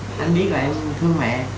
anh biết là em thương mẹ